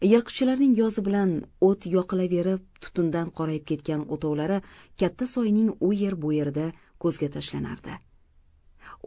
yilqichilarning yozi bilan o't yoqilaverib tutundan qorayib ketgan o'tovlari katta soyning u yer bu yerida ko'zga tashlanardi